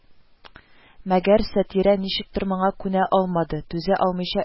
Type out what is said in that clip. Мәгәр Сатирә ничектер моңа күнә алмады, түзә алмыйча эче катты